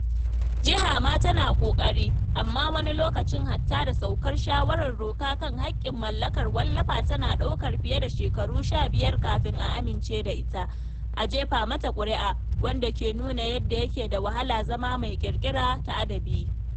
Jiha ma tana yin ƙoƙari, amma wani lokacin hatta da sassauƙar shawarar doka kan haƙƙin mallakar wallafa tana ɗaukar fiye da shekaru 15 kafin a amince da ita a jefa mata ƙuri’a, wanda ke nuna yadda yake da wahala zama mai ƙirƙira taa adabi.